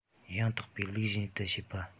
ཡང དག པའི ལུགས བཞིན དུ བྱེད པ